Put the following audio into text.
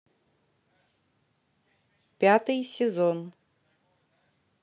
пятый сезон